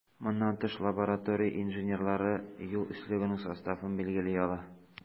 Моннан тыш, лаборатория инженерлары юл өслегенең составын билгели ала.